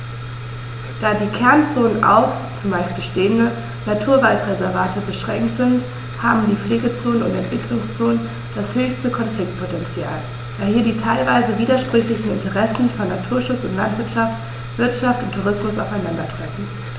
Da die Kernzonen auf – zumeist bestehende – Naturwaldreservate beschränkt sind, haben die Pflegezonen und Entwicklungszonen das höchste Konfliktpotential, da hier die teilweise widersprüchlichen Interessen von Naturschutz und Landwirtschaft, Wirtschaft und Tourismus aufeinandertreffen.